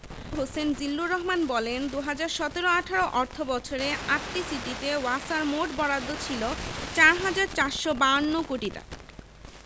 হোসেন জিল্লুর রহমান বলেন ২০১৭ ১৮ অর্থবছরে আটটি সিটিতে ওয়াসার মোট বরাদ্দ ছিল ৪ হাজার ৪৫২ কোটি টাকা